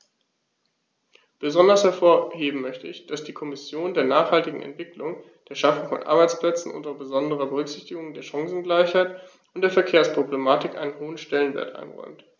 Besonders hervorheben möchte ich, dass die Kommission der nachhaltigen Entwicklung, der Schaffung von Arbeitsplätzen unter besonderer Berücksichtigung der Chancengleichheit und der Verkehrsproblematik einen hohen Stellenwert einräumt.